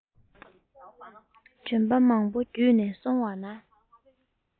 ལྗོན པ མང པོ བརྒྱུད ནས སོང བ ན